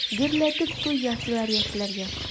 Гөрләтеп туй ясыйлар яшьләргә.